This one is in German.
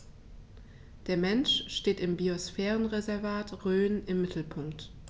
Der Mensch steht im Biosphärenreservat Rhön im Mittelpunkt.